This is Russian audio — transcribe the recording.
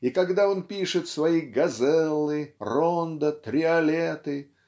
и когда он пишет свои газэллы рондо триолеты